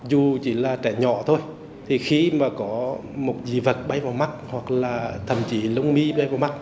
dù chỉ là trẻ nhỏ thôi thì khi mà có một dị vật bay vào mắt hoặc là thậm chí lông mi bay vào mắt